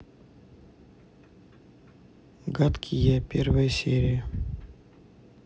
гадкий я первая серия